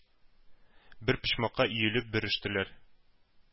Бер почмакка өелеп бөрештеләр.